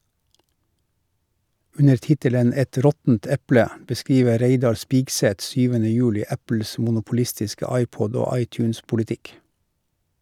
Under tittelen "Et råttent eple" beskriver Reidar Spigseth 7. juli Apples monopolistiske iPod- og iTunes-politikk.